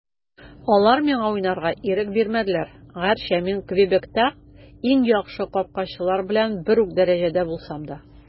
Алар миңа уйнарга ирек бирмәделәр, гәрчә мин Квебекта иң яхшы капкачылар белән бер үк дәрәҗәдә булсам да.